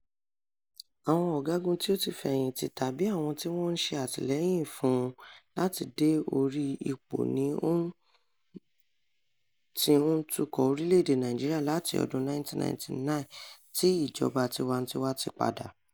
Àwọn ọ̀gágun tí ó ti fẹ̀yìntì tàbí àwọn tí wọn ṣe àtìlẹ́yìn fún-un láti dé orí ipò ni ó ti ń tukọ̀ orílẹ̀-èdè Nàìjíríà láti ọdún 1999 tí ìjọba tiwantiwa ti padà.